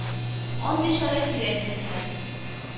Андый чара кирәкле һәм